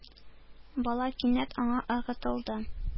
Бала кинәт аңа ыргытылды,